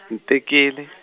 ntekile.